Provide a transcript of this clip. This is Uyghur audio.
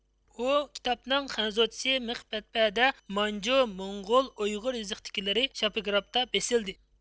ئۇ كىتاپنىڭ خەنزۇچىسى مىخ مەتبەئەدە مانجۇ موڭغۇل ئۇيغۇر يېزىقتىكىلىرى شاپىگرافتا بېسىلدى